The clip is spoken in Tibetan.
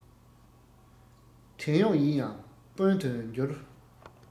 བྲན གཡོག ཡིན ཡང དཔོན དུ འགྱུར